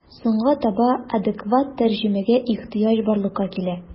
Соңга таба адекват тәрҗемәгә ихҗыяҗ барлыкка килә.